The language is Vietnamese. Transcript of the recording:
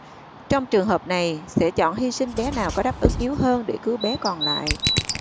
trong trường hợp này sẽ chọn hi sinh bé nào có đáp ứng yếu hơn để cứu bé còn lại